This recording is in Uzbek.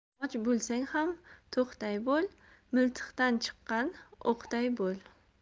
och bo'lsang ham to'qday bo'l miltiqdan chiqqan o'qday bo'l